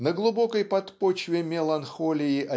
на глубокой подпочве меланхолии